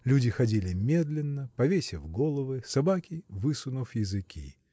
Люди ходили медленно, повесив головы, собаки – высунув языки.